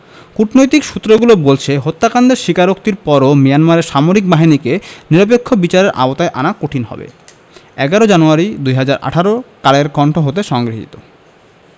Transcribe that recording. কূটনৈতিক সূত্রগুলো বলছে হত্যাকাণ্ডের স্বীকারোক্তির পরও মিয়ানমারের সামরিক বাহিনীকে নিরপেক্ষ বিচারের আওতায় আনা কঠিন হবে ১১ জানুয়ারি ২০১৮ কালের কন্ঠ হতে সংগৃহীত